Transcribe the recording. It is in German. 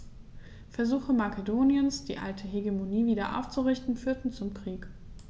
Versuche Makedoniens, die alte Hegemonie wieder aufzurichten, führten zum Krieg.